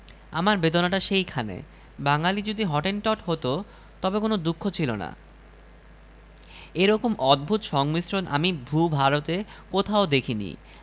জাহাজের টাইপ করা এক শ লাইন দৈনিক কাগজে সেটা সাড়ম্বরে প্রকাশ করেছিল অপমানিত লেখকরা ডবল তিন ডবল দামে আপন আপন বই